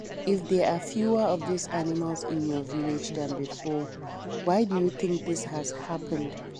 If there are fewer of these animals in your village than before, why do you think this has happened?